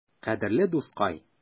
Кадерле дускай!